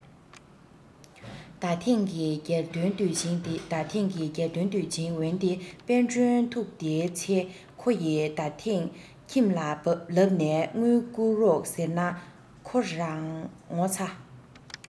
ད ཐེངས ཀྱི རྒྱལ སྟོན དུས ཆེན ད ཐེངས ཀྱི རྒྱལ སྟོན དུས ཆེན འོན ཏེ དཔལ སྒྲོན ཐུགས དེའི ཚེ ཁོ ཡི ད ཐེངས ཁྱིམ ལ ལབ ནས དངུལ བསྐུར རོགས ཟེར ན ཁོ རང ངོ ཚ